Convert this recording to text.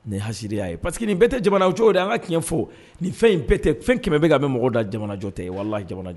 Nin hariya'a ye parceseke que nin bɛɛ tɛ jamana cogo de an ka kɛɲɛ fo nin fɛn in bɛɛ tɛ fɛn kɛmɛ bɛ ka an bɛ mɔgɔ da jamana jɔ tɛ ye wala jamana jɔ